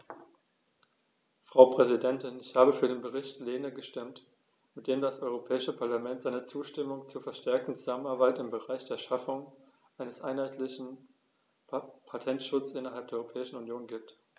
Frau Präsidentin, ich habe für den Bericht Lehne gestimmt, mit dem das Europäische Parlament seine Zustimmung zur verstärkten Zusammenarbeit im Bereich der Schaffung eines einheitlichen Patentschutzes innerhalb der Europäischen Union gibt.